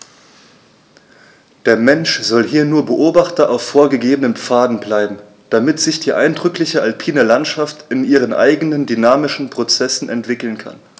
Der Mensch soll hier nur Beobachter auf vorgegebenen Pfaden bleiben, damit sich die eindrückliche alpine Landschaft in ihren eigenen dynamischen Prozessen entwickeln kann.